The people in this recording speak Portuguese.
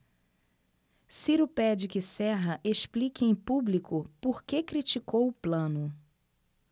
ciro pede que serra explique em público por que criticou plano